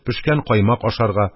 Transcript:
Пешкән каймак ашарга